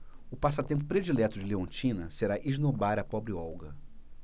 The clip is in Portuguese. o passatempo predileto de leontina será esnobar a pobre olga